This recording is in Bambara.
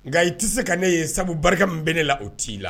Nka i tɛ se ka ne ye sabu barika min bɛ ne la o t' ii la